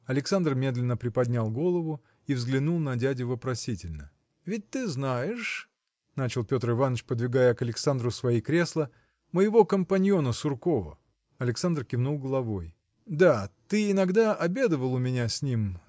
Александр медленно приподнял голову и взглянул на дядю вопросительно. – Ведь ты знаешь – начал Петр Иваныч подвигая к Александру свои кресла – моего компаниона Суркова? Александр кивнул головой. – Да ты иногда обедывал у меня с ним